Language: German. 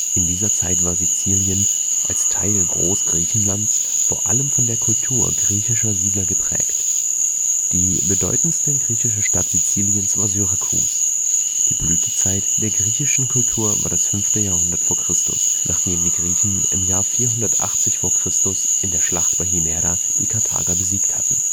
In dieser Zeit war Sizilien als Teil Großgriechenlands vor allem von der Kultur griechischer Siedler geprägt. Die bedeutendste griechische Stadt Siziliens war Syrakus. Die Blütezeit der griechischen Kultur war das 5. Jahrhundert v. Chr., nachdem die Griechen im Jahr 480 v. Chr. in der Schlacht bei Himera die Karthager besiegt hatten